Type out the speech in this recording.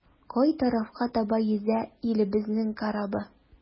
Кай тарафка таба йөзә илебезнең корабы?